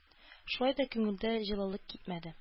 Шулай да күңелдән җылылык китмәде.